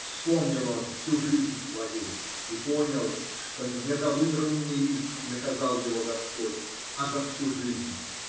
Вспомнил он всю жизнь свою и понял, что не за выдранный лист наказал его господь, а за всю жизнь.